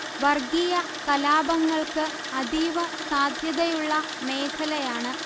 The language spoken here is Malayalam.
വർഗീയ കലാപങ്ങൾക്ക അതീവ സാധ്യതയുള്ള മേഖലയാണ്